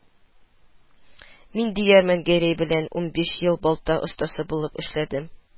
Мин, диярмен, Гәрәй белән унбиш ел балта остасы булып эшләдем